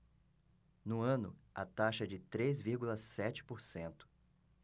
no ano a taxa é de três vírgula sete por cento